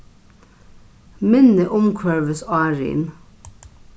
minni umhvørvisárin